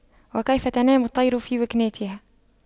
وكيف تنام الطير في وكناتها